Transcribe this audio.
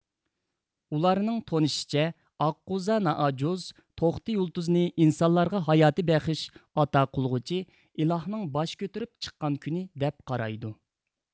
ئۇلارنىڭ تونۇشىچە ئاققۇزا نائوجوز توقتى يۇلتۇزىنى ئىنسانلارغا ھاياتى بەخش ئاتاقىلغۇچى ئىلا ھىنىڭ باش كۆتۈرۈپ چىققان كۈنى دەپ قارايدۇ